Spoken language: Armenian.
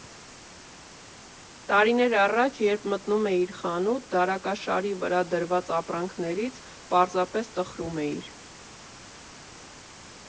Տարիներ առաջ, երբ մտնում էիր խանութ, դարակաշարի վրա դրված ապրանքներից պարզապես տխրում էիր.